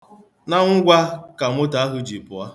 Na ngwa ka moto ha ji pụọ.